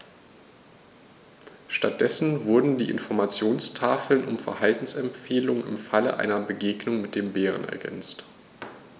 Stattdessen wurden die Informationstafeln um Verhaltensempfehlungen im Falle einer Begegnung mit dem Bären ergänzt.